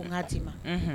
Ko n'a d'i ma